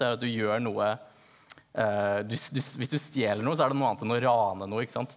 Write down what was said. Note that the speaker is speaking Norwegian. det er jo at du gjør noe hvis du stjeler noe så er det noe annet enn å rane noe ikke sant.